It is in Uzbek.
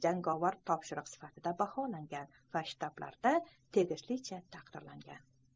jangovar topshiriq sifatida baholangan va shtablarda tegishlicha taqdirlangan